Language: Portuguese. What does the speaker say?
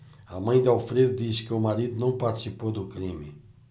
a mãe de alfredo diz que o marido não participou do crime